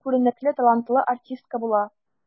Күренекле, талантлы артистка була.